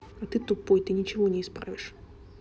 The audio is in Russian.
а ты тупой ты ничего не исправишь